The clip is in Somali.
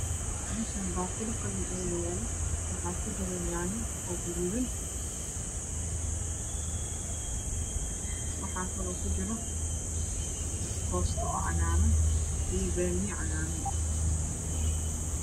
Meshan baaquli qalin ayaa yaalo waxa ku jiro yaanyo oo gaduudan waxa kaloo ku jiro coosta cagaaran iyo paamiyo cagaaran